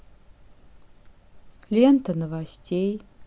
лента новостей